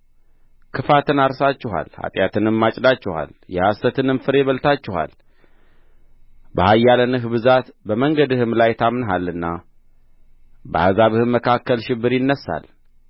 ክፋትን አርሳችኋል ኃጢአትንም አጭዳችኋል የሐሰትንም ፍሬ በልታችኋል በኃያላንህ ብዛት በመንገድህም ላይ ታምነሃልና በሕዝብህም መካከል ሽብር ይነሣል